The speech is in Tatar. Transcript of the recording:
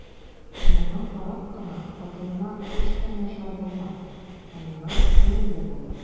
Моңа карап кына хатыныма һич тә начар булмас, ә миңа күңелле булыр.